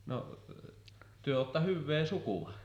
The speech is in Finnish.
no te olette hyvää sukua